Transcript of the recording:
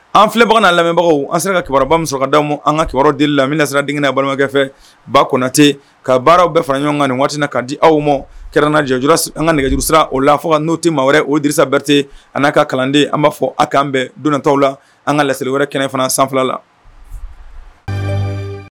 An filɛbaga lamɛnbagaw an sera ka kibabamusosa ka di aw ma an ka kiba di la bɛna na siran digiina balimakɛfɛ ba kɔnɔnatɛ ka baararaww bɛɛ fara ɲɔgɔn kan nin waati ka di aw ma kɛrɛnnajj an ka nɛgɛjurusira o la fɔ n'o te ma wɛrɛ odisa bɛte an n'a ka kalanden an b'a fɔ a kanan bɛɛ donta la an ka laseli wɛrɛ kɛnɛ fana sanfɛ la